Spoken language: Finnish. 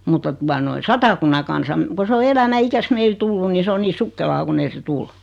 mutta tuota noin Satakunnan Kansan kun se on elämän ikänsä meille tullut niin se on niin sukkelaa kun ei se tule